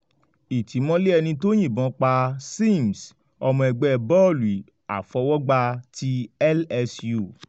Ìtìmọ́lé ẹni tó yìnbọn pa Sims, ọmọ ẹgbẹ́ bọ́ọ̀lù àfọwọ́gbá ti LSU